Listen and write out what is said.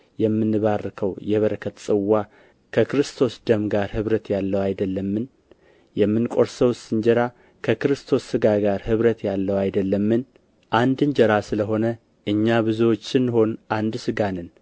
የምንባርከው የበረከት ጽዋ ከክርስቶስ ደም ጋር ኅብረት ያለው አይደለምን የምንቆርሰውስ እንጀራ ከክርስቶስ ሥጋ ጋር ኅብረት ያለው አይደለምን አንድ እንጀራ ስለ ሆነ እኛ ብዙዎች ስንሆን አንድ ሥጋ ነን